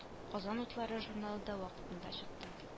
Казан утлары журналы да вакытыда чыкты